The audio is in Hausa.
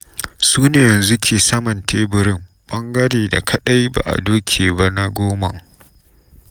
Su ne yanzu ke saman teburin, ɓangare da kaɗai ba a doke ba na goman.